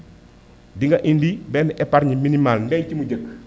dinga indi benn épargne minimale ndenc mu njëkk